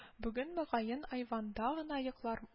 Бүген мөгаен айванда гына йоклар